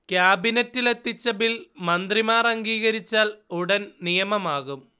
ക്യാബിനറ്റിൽ എത്തിച്ച ബിൽ മന്ത്രിമാർ അംഗീകരിച്ചാൽ ഉടൻ നിയമമാകും